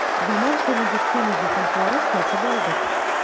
Заманча медицина җиһазлары сатып алдык.